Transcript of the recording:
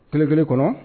Kelen kelen kɔnɔ